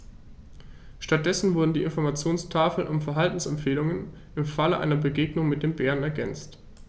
Stattdessen wurden die Informationstafeln um Verhaltensempfehlungen im Falle einer Begegnung mit dem Bären ergänzt.